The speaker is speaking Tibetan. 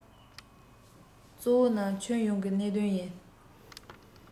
གཙོ བོ ནི ཁྱོན ཡོངས ཀྱི གནད དོན ཡིན